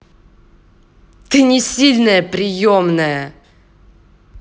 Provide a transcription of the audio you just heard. ты не сильная приемная